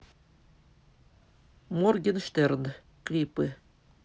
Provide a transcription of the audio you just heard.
моргенштерн клипы